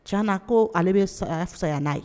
Caana ko ale be saya fusaya n'a ye